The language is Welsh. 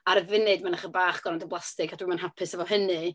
Ar y funud ma' 'na chydig bach gormod o blastig, a dwi'm yn hapus efo hynny.